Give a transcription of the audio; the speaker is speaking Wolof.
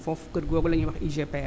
foofu kër googu la ñuy wax UGPM